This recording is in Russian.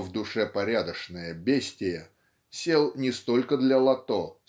но в душе порядочная бестия сел не столько для лото